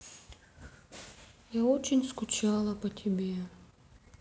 я очень скучала по тебе